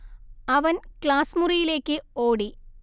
അവൻ ക്ലാസ് മുറിയിലേക്ക് ഓടി